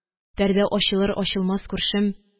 Пәрдә ачылыр-ачылмас, күршем